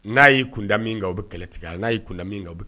N'a y'i kunda min kan aw bɛ kɛlɛtigɛ a n'a'i kun min kan aw bɛ